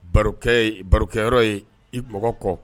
Barokɛ ye barokɛyɔrɔ ye iɔgɔ kɔ